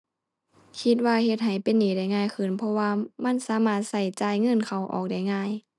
คิดว่าเฮ็ดให้เป็นหนี้ได้ง่ายขึ้น เพราะว่ามันสามารถใช้จ่ายเงินเข้าออกได้ง่าย